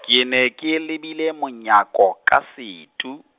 ke ne ke lebile monyako ka setu.